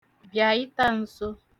bị̀à ịta nso